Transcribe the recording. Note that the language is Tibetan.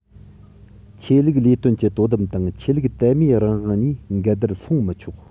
ཆོས ལུགས ལས དོན གྱི དོ དམ དང ཆོས ལུགས དད མོས རང དབང གཉིས འགལ ཟླར སློང མི ཆོག